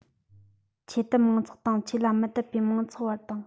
ཆོས དད མང ཚོགས དང ཆོས ལ མི དད པའི མང ཚོགས བར དང